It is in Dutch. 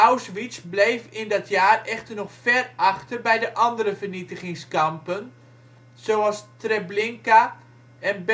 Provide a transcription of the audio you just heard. Auschwitz bleef in dat jaar echter nog ver achter bij de andere vernietigingskampen, zoals Treblinka en